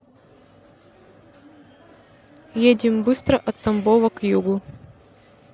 едем быстро от тамбова к югу